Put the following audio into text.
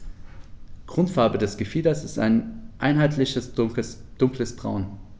Grundfarbe des Gefieders ist ein einheitliches dunkles Braun.